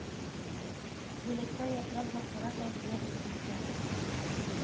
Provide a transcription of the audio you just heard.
Бүләккә ятрак затлырак әйберләр юк микән